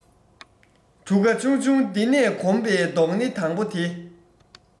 གྲུ ག ཆུང ཆུང འདི ནས གོམ པའི རྡོག སྣེ དང པོ དེ